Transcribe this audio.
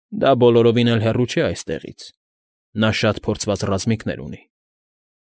Դա բոլորովին էլ հեռու չէ այստեղից։ Նա շատ փորձված ռազմիկներ ունի։